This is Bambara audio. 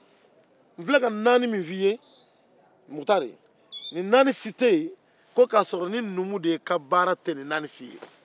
n filɛ ka naani min fɔ i ye mukutari nin si tɛ yen ni min tɛ numu ka baara tɛ min ye